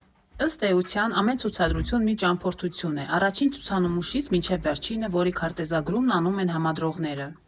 Ըստ էության, ամեն ցուցադրություն մի ճամփորդություն է՝ առաջին ցուցանմուշից մինչև վերջինը, որի քարտեզագրումն անում են համադրողները։